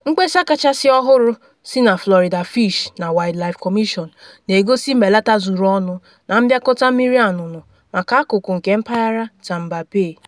Mkpesa kachasị ọhụrụ si na Florida Fish na Wildlife Commission na egosi mbelata zuru ọnụ na mbịakọta Mmiri Anụnụ maka akụkụ nke mpaghara Tampa Bay.